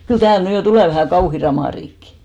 kyllä täällä nyt jo tulee vähän kauhea ramariikki